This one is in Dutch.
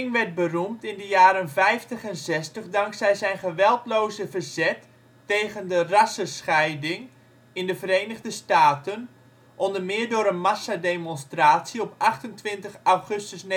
werd beroemd in de jaren vijftig en zestig dankzij zijn geweldloze verzet tegen de rassenscheiding in de Verenigde Staten, onder meer door een massademonstratie op 28 augustus 1963